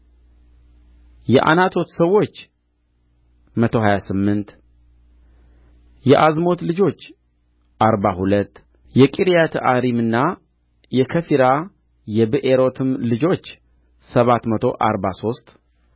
የዓናቶት ሰዎች መቶ ሀያ ስምንት የዓዝሞት ልጆች አርባ ሁለት የቂርያትይዓሪምና የከፊራ የብኤሮትም ልጆች ሰባት መቶ አርባ ሦስት